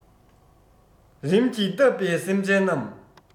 རིམས ཀྱིས བཏབ པའི སེམས ཅན རྣམས